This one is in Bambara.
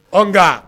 Ɔwɔ ka